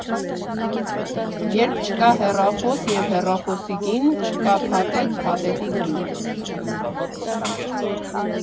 Երբ չկա հեռախոս և հեռախոսի գին, չկա փաթեթ, փաթեթի գին։